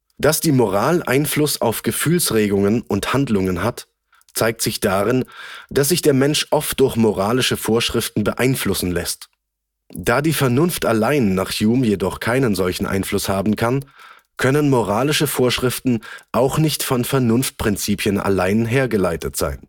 Dass die Moral Einfluss auf Gefühlsregungen und Handlungen hat, zeigt sich darin, dass sich der Mensch oft durch moralische Vorschriften beeinflussen lässt. Da die Vernunft allein nach Hume jedoch keinen solchen Einfluss haben kann, können moralische Vorschriften auch nicht von Vernunftprinzipien allein hergeleitet sein